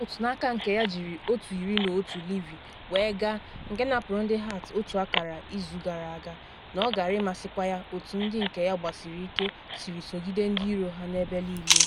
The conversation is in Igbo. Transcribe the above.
Holt, n’aka nke ya, jiri otu 11 Livi wee gaa, nke napụrụ ndị Hearts otu akara izu gara aga, na ọ gaara ịmasịkwa ya otu ndị nke ya gbasiri ike siri sogide ndị iro ha n’ebe niile.